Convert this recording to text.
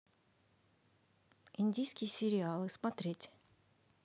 индийские сериалы смотреть